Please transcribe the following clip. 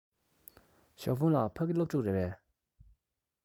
ཞའོ ཧྥུང ལགས ཕ གི སློབ ཕྲུག རེད པས